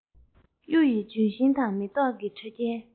གཡུ ཡི ལྗོན ཤིང དང མེ ཏོག གི ཕྲ རྒྱན